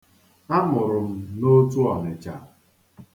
A mụrụ m n'Otu Ọnịcha.